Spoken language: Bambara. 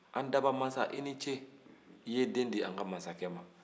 an dabagamasa i ni ce i ye den di an ka masakɛ ma